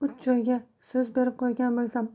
uch joyga so'z berib qo'ygan bo'lsam